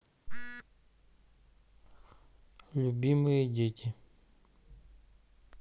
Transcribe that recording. любимые дети